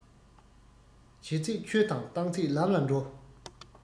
བྱས ཚད ཆོས དང བཏང ཚད ལམ ལ འགྲོ